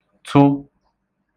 tụ